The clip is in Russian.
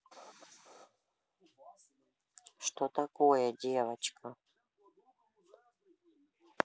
что такое девочка